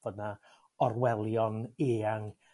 Fod 'na orwelion eang